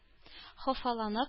Хафаланып